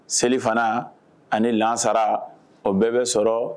Selifana ani lasara o bɛɛ bɛ sɔrɔ